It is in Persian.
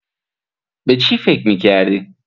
به چی فکر می‌کردی؟